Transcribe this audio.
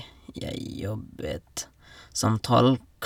Jeg jobbet som tolk.